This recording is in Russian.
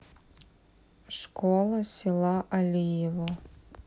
школа села алиево